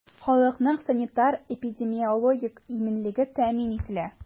Халыкның санитар-эпидемиологик иминлеге тәэмин ителә.